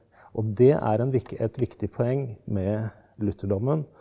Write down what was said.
og det er en et viktig poeng med lutherdommen.